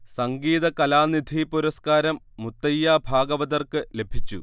സംഗീത കലാനിധി പുരസ്കാരം മുത്തയ്യാ ഭാഗവതർക്ക് ലഭിച്ചു